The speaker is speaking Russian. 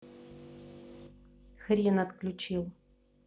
хрен отключил